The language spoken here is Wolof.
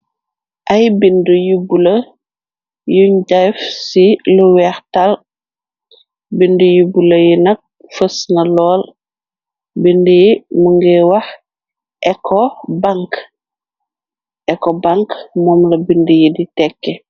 Ay bind yu bula yuñ def ci lu weextal bind yu bula yi nak fës na lool bind yi mu ngi wax eko bank moomla bind yi di tekke.